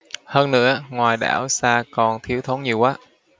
hơn nữa ngoài đảo xa còn thiếu thốn nhiều quá